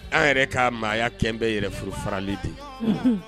An yɛrɛ ka maaya kɛlen bɛ yɛrɛfuru farali de ye, unhun.